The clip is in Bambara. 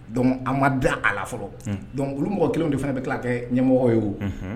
Dɔnc a ma da a la fɔlɔ dɔnkuc olu mɔgɔ kelen de fana bɛ tila kɛ ɲɛmɔgɔ ye o